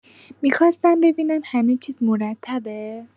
می‌خواستم ببینم همه‌چیز مرتبه؟